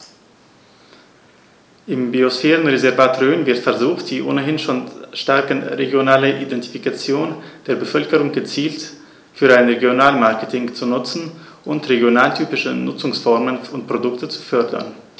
Im Biosphärenreservat Rhön wird versucht, die ohnehin schon starke regionale Identifikation der Bevölkerung gezielt für ein Regionalmarketing zu nutzen und regionaltypische Nutzungsformen und Produkte zu fördern.